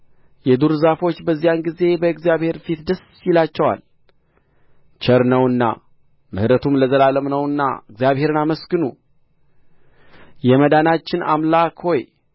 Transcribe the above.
የዱር ዛፎች በዚያን ጊዜ በእግዚአብሔር ፊት ደስ ይላቸዋል ቸር ነውና ምህረቱም ለዘላለም ነውና እግዚአብሔርን አመስግኑ የመዳናችን አምላክ ሆይ